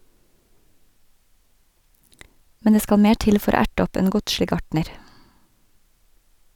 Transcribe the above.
Men det skal mer til for å erte opp en godslig gartner.